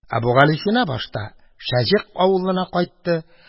Әбүгалисина башта Шәҗегь авылына кайтты.